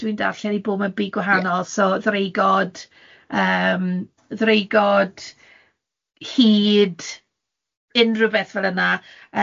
dwi'n darllen i bo' mewn byd gwahanol, so ddreigod, yym ddreigod, hud, unrhyw beth fel yna.